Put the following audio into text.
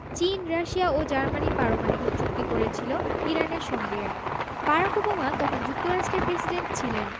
চীন রাশিয়া ও জার্মানি পারমাণবিক চুক্তি করেছিল ইরানের সঙ্গে বারাক ওবামা তখন যুক্তরাষ্ট্রের প্রেসিডেন্ট ছিলেন